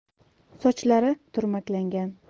sochlari turmaklangan